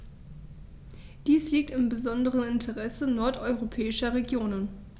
Dies liegt im besonderen Interesse nordeuropäischer Regionen.